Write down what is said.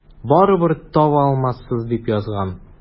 Барыбер таба алмассыз, дип язган.